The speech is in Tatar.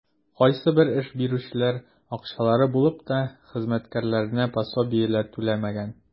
Кайсыбер эш бирүчеләр, акчалары булып та, хезмәткәрләренә пособиеләр түләмәгән.